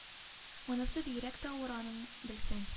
Монысы бигрәк тә авыр аның белсәң